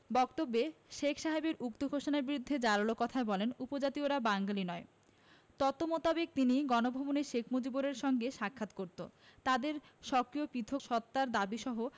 বক্তব্যে শেখ সাহেবের উক্ত ঘোষণার বিরুদ্ধে জোরালো কথায় বলেন উপজাতীয়রা বাঙালি নয় তদমোতাবেক তিনি গণভবনে শেখ মুজিবের সাথে সাক্ষাৎ করত তাদের স্বকীয় পৃথক সত্তার দাবীসহ